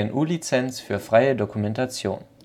GNU Lizenz für freie Dokumentation